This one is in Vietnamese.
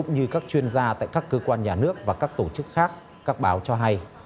cũng như các chuyên gia tại các cơ quan nhà nước và các tổ chức khác các báo cho hay